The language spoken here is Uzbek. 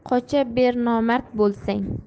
qocha ber nomard bo'lsang